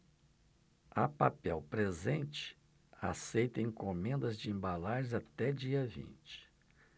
a papel presente aceita encomendas de embalagens até dia vinte